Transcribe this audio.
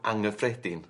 angyffredin.